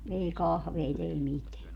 ei kahveja ei mitään